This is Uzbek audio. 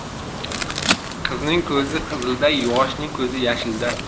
qizning ko'zi qizilda yoshning ko'zi yashilda